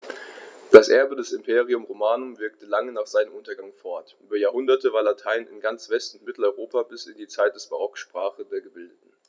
Dieses Erbe des Imperium Romanum wirkte lange nach seinem Untergang fort: Über Jahrhunderte war Latein in ganz West- und Mitteleuropa bis in die Zeit des Barock die Sprache der Gebildeten.